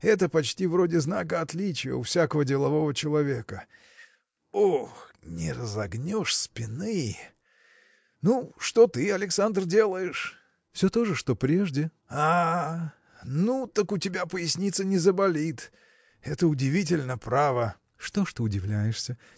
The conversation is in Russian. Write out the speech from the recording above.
Это почти вроде знака отличия у всякого делового человека. ох! не разогнешь спины. Ну, а что ты, Александр, делаешь? – Все то же, что прежде. – А! ну так у тебя поясница не заболит. Это удивительно, право! – Что ж ты удивляешься